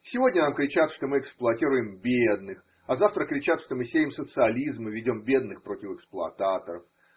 Сегодня нам кричат, что мы эксплуатируем бедных, завтра кричат, что мы сеем социализм, ведем бедных против эксплуататоров.